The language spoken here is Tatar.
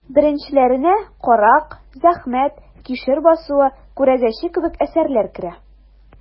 Беренчеләренә «Карак», «Зәхмәт», «Кишер басуы», «Күрәзәче» кебек әсәрләр керә.